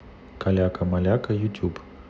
каляка маляка ютуб